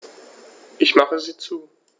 Ich mache sie zu.